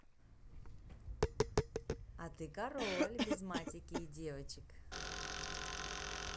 а ты король без матики и девочек